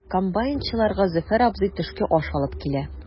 Комбайнчыларга Зөфәр абзый төшке аш алып килә.